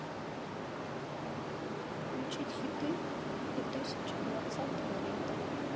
включить хиты две тысячи двадцатого лета